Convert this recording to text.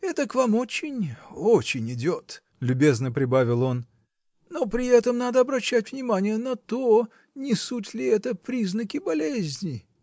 Это к вам очень, очень идет, — любезно прибавил он, — но при этом надо обращать внимание на то, не суть ли это признаки болезни?